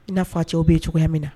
N'a fɔ cɛw bɛ yen cogoya min na